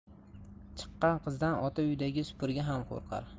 chiqqan qizdan ota uyidagi supurgi ham qo'rqar